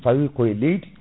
fawi koye leydi